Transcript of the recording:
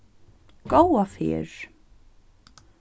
góða ferð